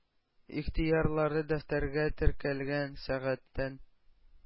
Ихтыярлары дәфтәргә теркәлгән сәгатьтән